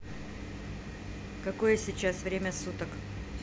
какое сейчас время суток